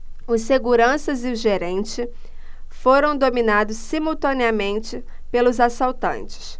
os seguranças e o gerente foram dominados simultaneamente pelos assaltantes